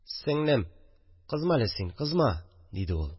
– сеңелем, кызма әле син, кызма, – диде ул